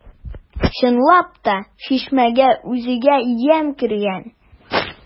Чынлап та, чишмәгә үзгә ямь кергән.